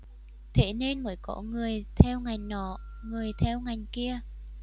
thế nên mới có người theo ngành nọ người theo ngành kia